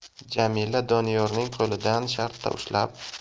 jamila doniyorning qo'lidan shartta ushlab